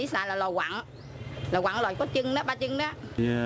sài lò quặn lò quặn là lò có chân đó ba chân đó